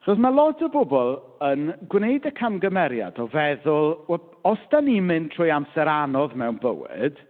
Chos ma' lot o bobl yn gwneud y camgymeriad o feddwl, "wel, os dan ni'n mynd trwy amser anodd mewn bywyd"...